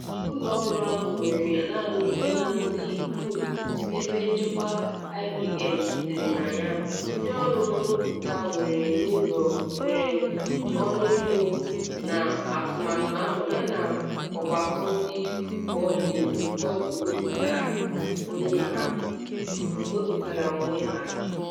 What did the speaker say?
Ụlọ ọrụ ahụ nwere naanị Berners-Lee, Bruce, ebe nchekwa IBM zụtara na ya, ndị ọrụ nrụpụta ewere n’ọrụ ịrụ n’atụmatụ ahụ yana ọgbakọ ndị koodu wepụtara onwe ha.